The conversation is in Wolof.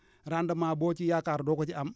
rendement boo ci yaakaar doo ko ci am